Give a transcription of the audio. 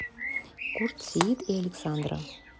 курт сеит и александра